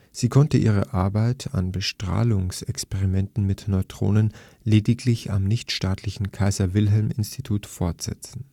sie konnte ihre Arbeit an Bestrahlungsexperimenten mit Neutronen lediglich am (nicht staatlichen) Kaiser-Wilhelm-Institut fortsetzen